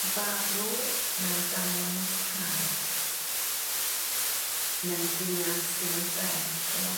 farw mewn damwain car mewn dinas ddim yn bell o...